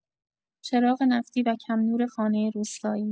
چراغ نفتی و کم‌نور خانه روستایی